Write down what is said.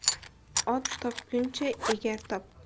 ot topguncha egar top